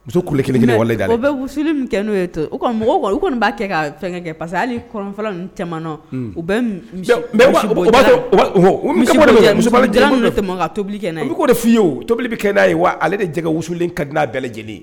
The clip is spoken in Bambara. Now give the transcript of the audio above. Muso ku kelenlen bɛ wusu kɛ n'o ye to o mɔgɔw u kɔni b'a kɛ ka fɛn kɛ pa hali cɛman u tɛ tobili kɛ n ye uo de fye ye o tobili kɛ n'a ye wa ale de jɛ wusulen ka di' bɛɛ lajɛlen